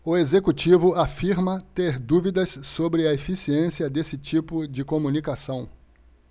o executivo afirma ter dúvidas sobre a eficiência desse tipo de comunicação